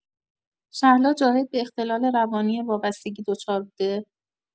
شهلا جاهد به اختلال روانی وابستگی دچار بوده؟